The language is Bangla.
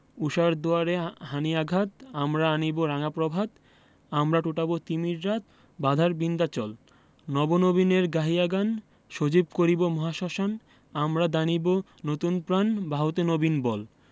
ঊষার দুয়ারে হানি' আঘাত আমরা আনিব রাঙা প্রভাত আমরা টুটাব তিমির রাত বাধার বিন্ধ্যাচল নব নবীনের গাহিয়া গান সজীব করিব মহাশ্মশান আমরা দানিব নতুন প্রাণ বাহুতে নবীন বল